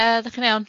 Haia, 'da chi'n iawn?